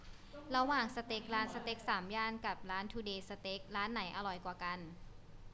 ระหว่างสเต็กร้านสเต็กสามย่านกับร้านทูเดย์สเต็กร้านไหนอร่อยกว่ากัน